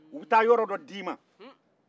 u bɛ taa yɔrɔ dɔ d'i ma